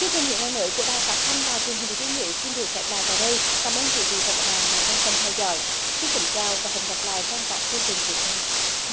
chương trình huế này mới của đài phát thanh và truyền hình thời tiết huệ xin được khép lại tại đây cảm ơn quý vị và các bạn đã quan tâm theo dõi xin kính chào và hẹn gặp lại trong các chương trình tiếp theo